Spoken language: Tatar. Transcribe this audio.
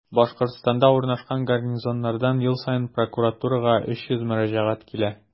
Башкортстанда урнашкан гарнизоннардан ел саен прокуратурага 300 мөрәҗәгать килә.